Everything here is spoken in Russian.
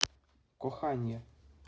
коханье